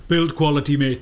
Build quality, mate!